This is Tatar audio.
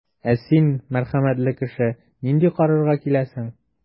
Ә син, мәрхәмәтле кеше, нинди карарга киләсең?